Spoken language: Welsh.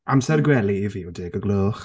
Amser gwely i fi yw deg o gloch.